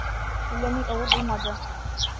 Әллә ни авыр булмады.